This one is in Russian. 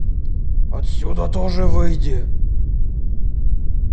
отсюда тоже выйди